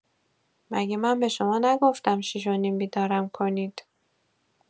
مگه من به شما نگفتم شیش و نیم بیدارم کنید؟